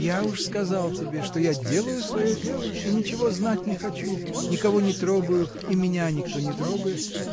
— Я уж сказал тебе, что я делаю свое дело и ничего знать не хочу, никого не трогаю и меня никто не трогает!